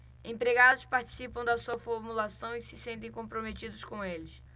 empregados participam da sua formulação e se sentem comprometidos com eles